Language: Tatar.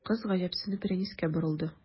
Кыз, гаҗәпсенеп, Рәнискә борылды.